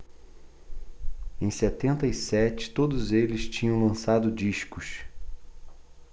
em setenta e sete todos eles tinham lançado discos